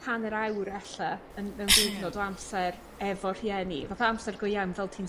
hanner awr ella yn mewn diwrnod o amser efo rhieni fatha amser go iawn fel ti'n